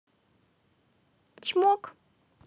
чмок